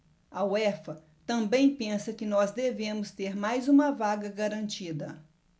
a uefa também pensa que nós devemos ter mais uma vaga garantida